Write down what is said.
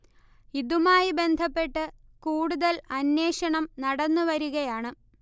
ഇതുമായി ബന്ധപ്പെട്ട് കൂടുതൽ അന്വഷണം നടന്ന് വരുകയാണ്